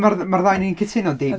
Mae'r- mae'r ddau o ni'n cytuno yndi?